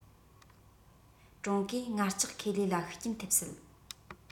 ཀྲུང གོའི ངར ལྕགས ཁེ ལས ལ ཤུགས རྐྱེན ཐེབས སྲིད